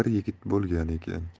yigit bo'lgan ekan